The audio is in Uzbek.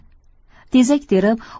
tezak terib